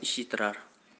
yomon ish yitirar